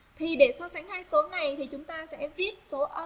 khi để so sánh hai số này thì chúng ta sẽ viết số